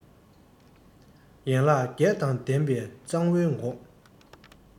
ཡན ལག བརྒྱད དང ལྡན པའི གཙང བོའི ངོགས